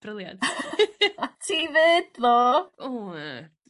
Brilliant. Ti 'fyd tho*. W yy.